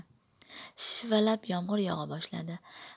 shivalab yomg'ir yog'a boshladi